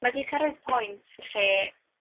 Ma' 'di cyrraedd point lle